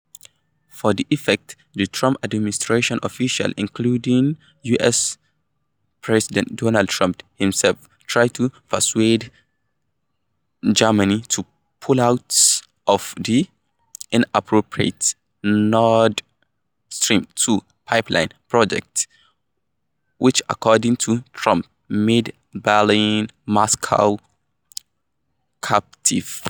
For that effect, the Trump administration officials, including US President Donald Trump himself, try to persuade Germany to pull out of the "inappropriate" Nord Stream 2 pipeline project, which according to Trump, made Berlin Moscow's "captive."